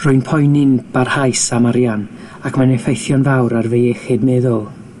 Rwy'n poeni'n barhaus am arian ac mae'n effeithio'n fawr ar fy iechyd meddwl.